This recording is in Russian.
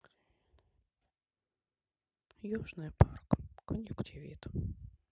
южный парк коньюктивит